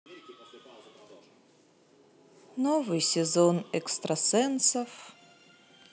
новый сезон экстрасенсов